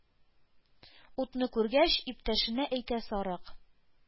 Утны күргәч, иптәшенә әйтә Сарык: